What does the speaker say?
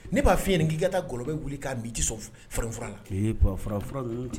Ne b'a fɔ ye n k'i ka taa ngɔlɔbɛ wuli k'a mi i tɛ sɔ frafifura la.